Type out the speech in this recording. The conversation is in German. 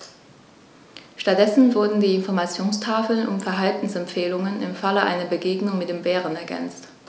Stattdessen wurden die Informationstafeln um Verhaltensempfehlungen im Falle einer Begegnung mit dem Bären ergänzt.